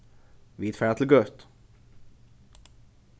vit fara til gøtu